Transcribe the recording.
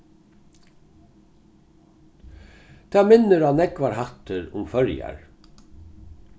tað minnir á nógvar hættir um føroyar